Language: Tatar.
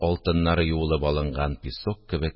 Алтыннары юылып алынган песок кебек